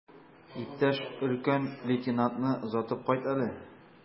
Иптәш өлкән лейтенантны озатып кайт әле.